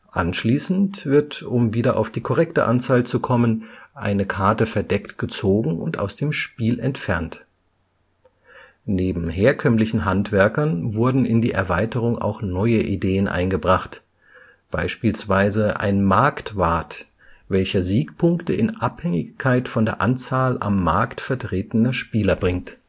Anschließend wird – um wieder auf die korrekte Anzahl zu kommen – eine Karte verdeckt gezogen und aus dem Spiel entfernt. Neben herkömmlichen Handwerkern wurden in die Erweiterung auch neue Ideen eingebracht, beispielsweise ein Marktwart, welcher Siegpunkte in Abhängigkeit von der Anzahl am Markt vertretener Spieler bringt